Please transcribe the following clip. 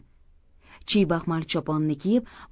chiybaxmal choponini kiyib